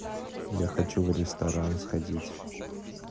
я хочу в ресторан сходить